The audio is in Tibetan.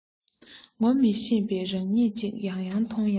ངོ མི ཤེས པའི རང ཉིད ཅིག ཡང ཡང མཐོང ཡང